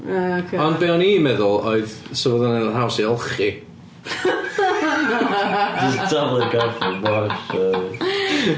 Oce... Ond be o'n i'n meddwl oedd fysen nhw'n haws i olchi.